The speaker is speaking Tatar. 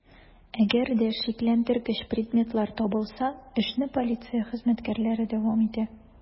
Әгәр дә шикләндергеч предметлар табылса, эшне полиция хезмәткәрләре дәвам итә.